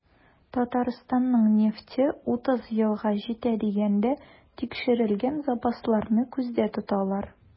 Татарстанның нефте 30 елга җитә дигәндә, тикшерелгән запасларны күздә тоталар.